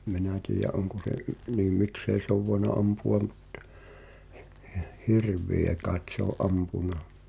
en minä tiedä onko se niin miksi ei se ole voinut ampua mutta -- hirviä kai se on ampunut